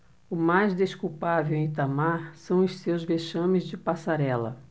o mais desculpável em itamar são os seus vexames de passarela